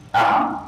Hɔn